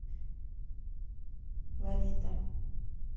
лолита